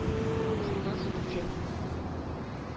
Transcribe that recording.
Шуннан соң Хуҗа: